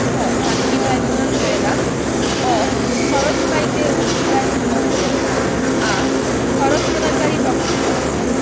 খ সালিসী ট্রাইব্যুনাল রোয়েদাদ অ খরচ পাইতে অধিকারী পক্ষের নাম আ খরচ প্রদানকারী পক্ষের নাম